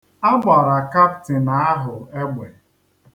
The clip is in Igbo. A gbara kaptịn ahụ egbe.